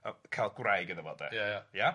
ca'l gwraig iddo fo, 'de? Ia ia.